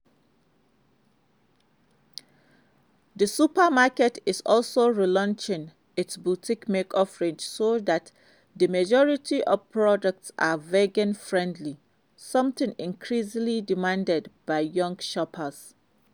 The supermarket is also relaunching its Boutique makeup range so that the majority of products are vegan-friendly - something increasingly demanded by younger shoppers.